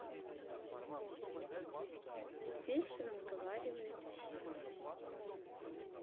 здесь разговаривает все